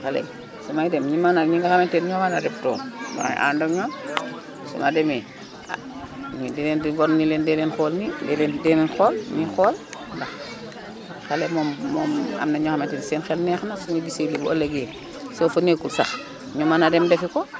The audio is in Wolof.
xale yi sumay dem ñi mën a ñi nga xamante ne ñoo mën a dem tool damay ànd ak ñoom su ma demee ah ñu di leen di wan ne leen dee leen xool nii dee leen dee leen xool ñuy xool ndax xale moom moom am na ñoo xamante ne seen xel neex na suñu gisee lii bu ëllëgee soo fa nekkul sax ñu mën a dem defi ko